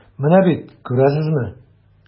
Менә бит, күрәсезме.